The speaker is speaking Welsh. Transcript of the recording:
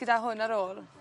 gyda hwn ar ôl?